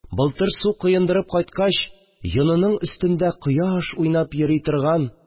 Былтыр су коендырып кайткач йонының өстендә кояш уйнап йөри торган